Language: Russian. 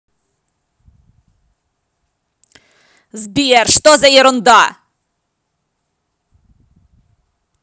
сбер что за ерунда